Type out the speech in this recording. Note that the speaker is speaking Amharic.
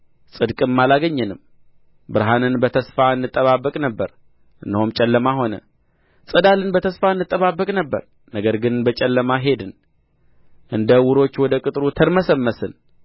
ጽድቅም አላገኘንም ብርሃንን በተስፋ እንጠባበቅ ነበር እነሆም ጨለማ ሆነ ጸዳልን በተስፋ እንጠባበቅ ነበር ነገር ግን በጨለማ ሄድን እንደ ዕውሮች ወደ ቅጥሩ ተርመሰመስን